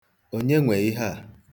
Onye nwe ihe a?